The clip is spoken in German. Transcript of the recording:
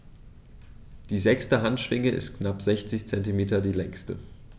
Die sechste Handschwinge ist mit knapp 60 cm die längste.